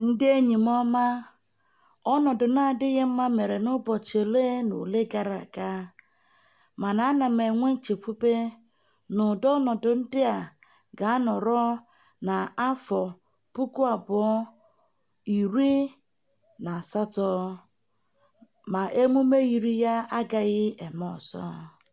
Ndị enyi m ọma, ọnọdụ na-adịghị mma mere n'ụbọchị ole na ole gara aga, mana ana m enwe nchekwube na ụdị ọnọdụ ndị a ga-anọrọ na 2018 ma emume yiri ya agaghị eme ọzọ.